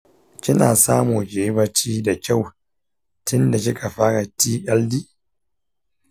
kina samu kiyi bacci da kyau tin da kika fara tld?